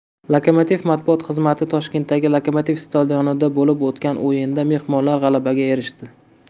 lokomotiv matbuot xizmatitoshkentdagi lokomotiv stadionida bo'lib o'tgan o'yinda mehmonlar g'alabaga erishdi